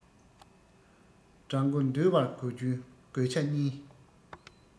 དགྲ མགོ འདུལ བར དགོས རྒྱུའི དགོས ཆ གཉིས